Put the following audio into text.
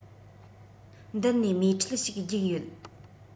མདུན ནས མས ཁྲིད ཞིག རྒྱུགས ཡོད